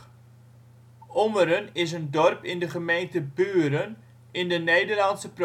Ommeren is een dorp in de gemeente Buren, in de Nederlandse